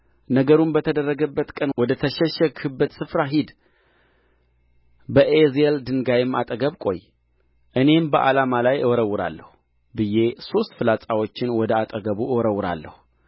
ነገሩም በተደረገበት ቀን ወደ ተሸሸግህበት ስፍራ ሂድ በኤዜል ድንጋይም አጠገብ ቆይ እኔም በዓላማ ላይ እወረውራለሁ ብዬ ሦስት ፍላጻዎችን ወደ አጠገቡ እወረውራለሁ